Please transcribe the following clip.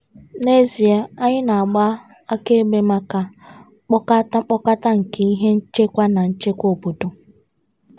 N'ezie, anyị na-agba akaebe maka mkpokọta mkpokọta nke ihe nchekwa na nchekwa obodo.